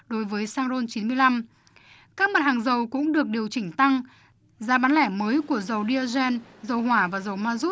đối với xăng rôn chín mươi lăm các mặt hàng dầu cũng được điều chỉnh tăng giá bán lẻ mới của dầu đi a den dầu hỏa và dầu ma dút